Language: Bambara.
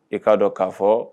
I k'a dɔn k'a fɔ